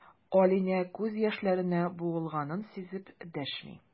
Алинә күз яшьләренә буылганын сизеп дәшми.